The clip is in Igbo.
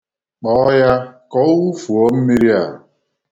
Kpọọ ya ka o wufuo mmiri a.